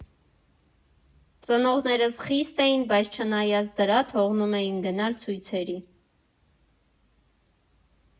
Ծնողներս խիստ էին, բայց, չնայած դրա, թողնում էին գնալ ցույցերի։